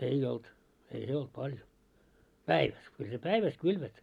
ei ollut ei se ollut paljon päivässä kyllä se päivässä kylvät